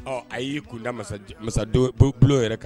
Ɔ a y'i kunda masa bulon yɛrɛ kan